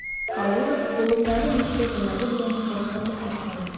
Кауров кулындагы нечкә таягы белән сазга төртеп карый.